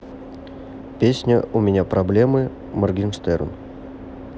песня у меня проблемы моргенштерн